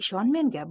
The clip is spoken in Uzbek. ishon menga